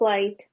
O blaid.